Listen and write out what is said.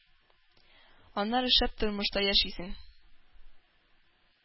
Аннары шәп тормышта яшисең.